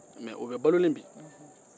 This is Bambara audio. mɛ o bɛ balo la bi